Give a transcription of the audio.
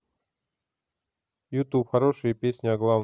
ютуб хорошие песни о главном